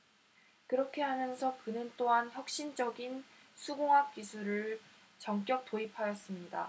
그렇게 하면서 그는 또한 혁신적인 수공학 기술을 전격 도입하였습니다